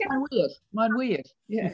Mae'n wir, mae'n wir, ie.